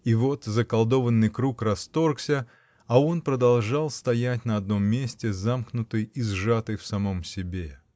И вот заколдованный круг расторгся, а он продолжал стоять на одном месте, замкнутый и сжатый в самом себе.